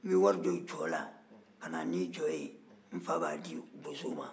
n bɛ wari don jɔ la ka na ni jɔ ye n fa b'a di bosow ma